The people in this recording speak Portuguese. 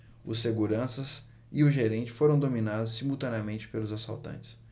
os seguranças e o gerente foram dominados simultaneamente pelos assaltantes